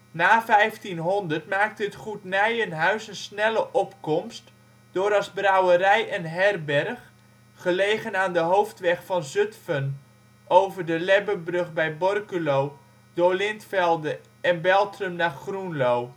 Na 1500 maakte het goed Nijenhuis een snelle opkomst door als brouwerij en herberg, gelegen aan de hoofdweg van Zutphen over de Lebbenbrug bij Borculo door Lintvelde en Beltrum naar Groenlo